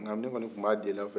nka ne kɔni tun b'a deli aw fɛ